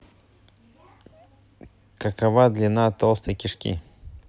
какова длина толстой кишки